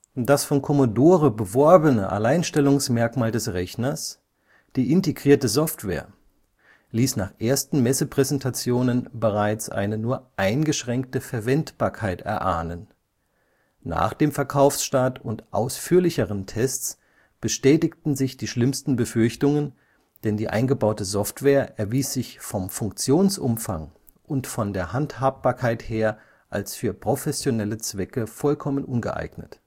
Das von Commodore beworbene Alleinstellungsmerkmal des Rechners, die integrierte Software, ließ nach ersten Messepräsentationen bereits eine nur eingeschränkte Verwendbarkeit erahnen. Nach dem Verkaufsstart und ausführlicheren Tests bestätigten sich die schlimmsten Befürchtungen, denn die eingebaute Software erwies sich vom Funktionsumfang und von der Handhabbarkeit her als für professionelle Zwecke vollkommen ungeeignet